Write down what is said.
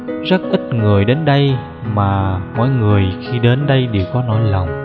rất ít người đến đây mà mỗi người khi đến đây đều có nỗi lòng